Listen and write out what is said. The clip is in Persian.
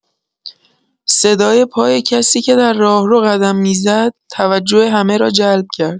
صدای پای کسی که در راهرو قدم می‌زد، توجه همه را جلب کرد.